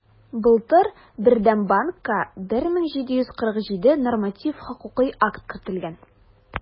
Былтыр Бердәм банкка 1747 норматив хокукый акт кертелгән.